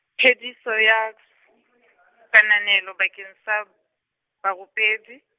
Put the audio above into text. phediso ya, kananelo bakeng sa, barupedi.